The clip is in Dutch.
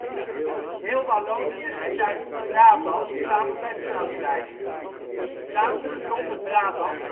Heel Wallonië en Zuid-Brabant kwamen bij Frankrijk. Vlaanderen zonder Brabant